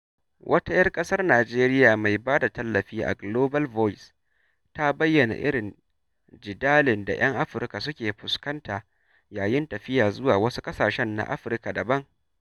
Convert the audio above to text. Wata 'yar ƙasar Nijeriya mai ba da tallafi a Global Voice ta bayyana irin "jidalin da 'yan Afirka suke fuskanta yayin tafiya zuwa wasu ƙasashen na Afirka daban".